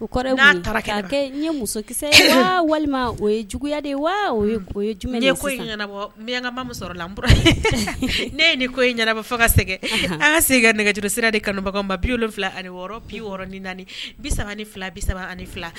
U musokisɛ walima o ye juguya de wa o miyan la ne ni ko in ɲɛnaba fo ka sɛgɛn an seginna nɛgɛtigɛsira de kanubaga ma bi fila ani wɔɔrɔ bi wɔɔrɔɔrɔn ni naani bi saba ni fila bi saba ani fila